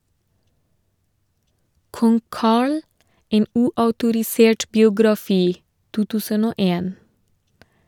"Kong Carl, en uautorisert biografi", 200 1.